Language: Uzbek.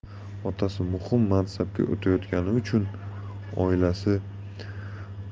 otasi muhim mansabga o'tayotgani uchun oilasi